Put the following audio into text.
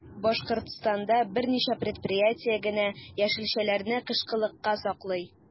Башкортстанда берничә предприятие генә яшелчәләрне кышкылыкка саклый.